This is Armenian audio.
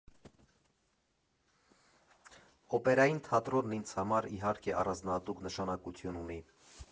Օպերային թատրոնն ինձ համար, իհարկե, առանձնահատուկ նշանակություն ունի։